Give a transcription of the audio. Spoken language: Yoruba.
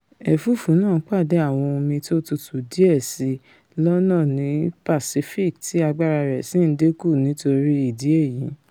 Ẹ̀fúùfù náà ńpàdé àwọn omi tó tutú díẹ̀ síi lọ́nà ní Pacific tí agbára rẹ̀ sì ń dínkù nítorí ìdí èyí.